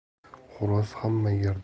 xo'roz hamma yerda